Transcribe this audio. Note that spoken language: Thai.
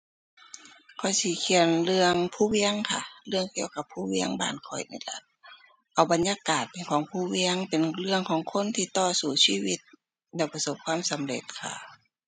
ข้อยสิเขียนเรื่องภูเวียงค่ะ เรื่องเกี่ยวกับภูเวียงบ้านข้อยนี้แหละ เอาบรรยากาศของภูเวียง เป็นเรื่องของคนที่ต่อสู้ชีวิตแล้วประสบความสำเร็จค่ะ